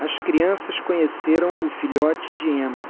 as crianças conheceram o filhote de eman